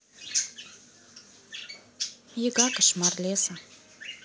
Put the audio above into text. яга кошмар леса